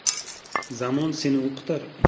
zamon seni o'qitar